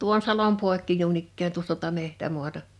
tuon salon poikki noin ikään tuosta tuota metsämaata